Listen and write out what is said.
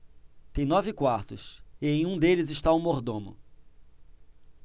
tem nove quartos e em um deles está o mordomo